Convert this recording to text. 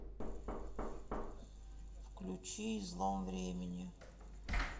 включи излом времени